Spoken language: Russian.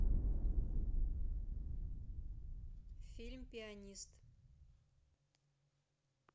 фильм пианист